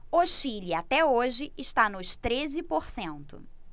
o chile até hoje está nos treze por cento